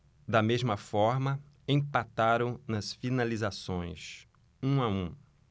da mesma forma empataram nas finalizações um a um